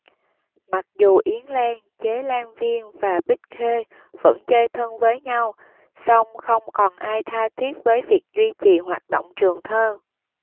mặc dù yến lan chế lan viên và bích khê vẫn chơi thân với nhau song không còn ai tha thiết với việc duy trì hoạt động trường thơ